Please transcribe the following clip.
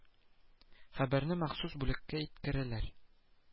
Хәбәрне махсус бүлеккә иткерәләр